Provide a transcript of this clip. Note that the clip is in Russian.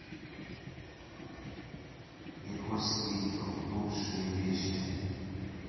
никольский лучшие вещи